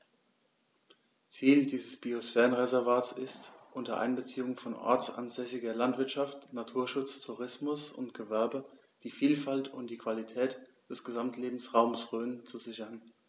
Ziel dieses Biosphärenreservates ist, unter Einbeziehung von ortsansässiger Landwirtschaft, Naturschutz, Tourismus und Gewerbe die Vielfalt und die Qualität des Gesamtlebensraumes Rhön zu sichern.